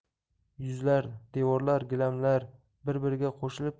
yuzlar devorlar gilamlar birbiriga qo'shilib